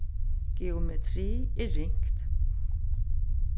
geometri er ringt